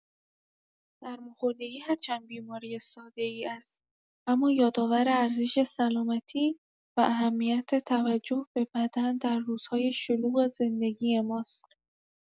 سرماخوردگی هرچند بیماری ساده‌ای است، اما یادآور ارزش سلامتی و اهمیت توجه به بدن در روزهای شلوغ زندگی ماست.